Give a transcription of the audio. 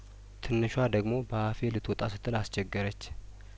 ትንሿ ደግሞ በአፌ ልትወጣ ስትል አስቸገረች